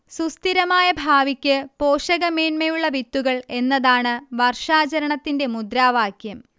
സുസ്ഥിരമായ ഭാവിക്ക് പോഷകമേന്മയുള്ള വിത്തുകൾ എന്നതാണ് വർഷാചരണത്തിന്റെ മുദ്രാവാക്യം